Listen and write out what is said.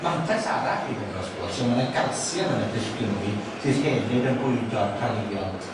Mantais arall i hwn, wrth gwrs, yw ma' 'na galsium yn y plisgyn wy, sydd hefyd yn bwydo'r planhigion.